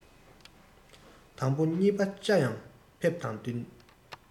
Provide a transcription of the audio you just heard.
དང པོ ཉེས པ བཅའ ཡང ཕེབས དང བསྟུན